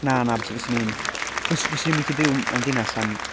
Na na, fys- fyswn i'n... Fys- fyswn i'm yn gallu byw mewn dinas am...